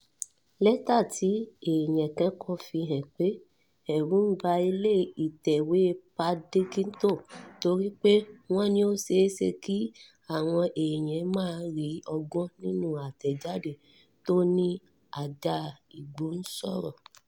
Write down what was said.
Lẹ́tà tí èẹ̀yàn kan kọ fi hàn pé ẹ̀rù ń ba ilé-ìtẹ̀wé Paddington torí pé wọ́n ní ó ṣẹéṣe kí àwọn èèyàn máa rí ọgbọ́n nínú àtẹ̀jáde tó ní ajá igbó ń sọ̀rọ̀.